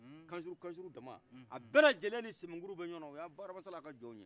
kan suru kan suru dama a bɛlajɛle ni sɛmenkuru be ɲɔgɔnna oye bakari hama sala ka jɔnw ye